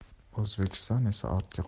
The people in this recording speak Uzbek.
o'zbekiston esa ortga quruq